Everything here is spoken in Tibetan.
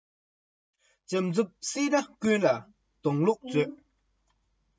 དགྲ གཉེན ཚང མ ཐབས ཀྱིས གྲོགས སུ ཁུག